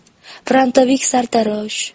frontovik sartarosh